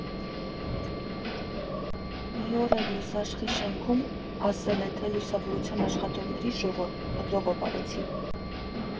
Ու մի օր էլ Լուսաշխի շենքում (ասել է թե՝ լուսավորության աշխատողների) ժողով արեցին։